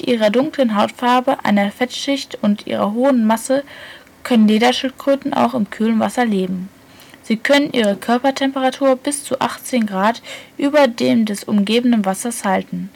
ihrer dunklen Hautfarbe, einer Fettschicht und ihrer hohen Masse können Lederschildkröten auch in kühlem Wasser leben. Sie können ihre Körpertemperatur bis zu 18 Grad über der des umgebenden Wassers halten.